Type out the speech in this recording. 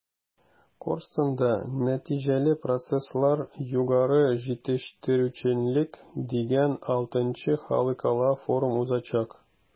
“корстон”да “нәтиҗәле процесслар-югары җитештерүчәнлек” дигән vι халыкара форум узачак.